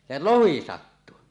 se lohi sattui